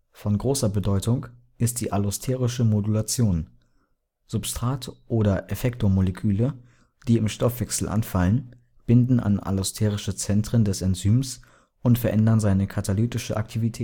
Von großer Bedeutung ist die allosterische Modulation. Substrat - oder Effektormoleküle, die im Stoffwechsel anfallen, binden an allosterische Zentren des Enzyms und verändern seine katalytische Aktivität